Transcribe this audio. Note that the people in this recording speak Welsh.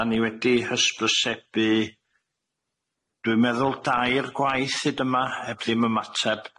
Dan ni wedi hysbrysebu, dwi'n meddwl dair gwaith hyd yma heb ddim ymateb.